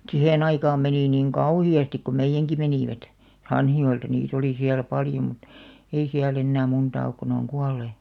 siihen aikaan meni niin kauheasti kun meidänkin menivät Hanhijoelta niitä oli siellä paljon mutta ei siellä enää montaa ole kun ne on kuolleet